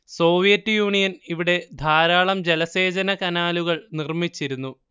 Soviet Union ഇവിടെ ധാരാളം ജലസേചന കനാലുകൾ നിർമ്മിച്ചിരുന്നു